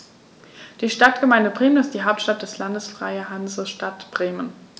Die Stadtgemeinde Bremen ist die Hauptstadt des Landes Freie Hansestadt Bremen.